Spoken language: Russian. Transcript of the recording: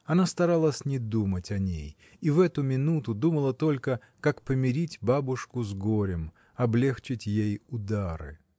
Она старалась не думать о ней и в эту минуту думала только — как помирить бабушку с горем, облегчить ей удары.